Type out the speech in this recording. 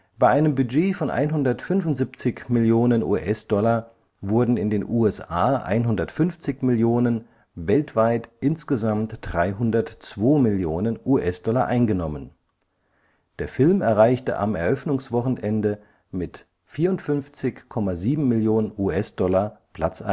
Bei einem Budget von 175 Millionen US-Dollar wurden in den USA 150 Millionen, weltweit insgesamt 302 Millionen US-Dollar eingenommen. Der Film erreichte am Eröffnungs-Wochenende mit 54,7 Millionen US-Dollar Platz